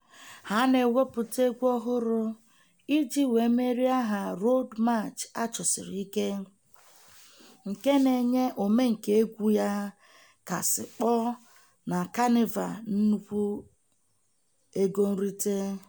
Ha na-ewepụta egwu ọhụrụ iji wee merie aha Road March a chọsiri ike, nke na-enye omenka egwu ya kasị kpọọ na Kanịva nnukwu ego nrite.